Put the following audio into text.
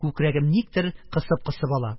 Күкрәгем никтер кысып-кысып ала.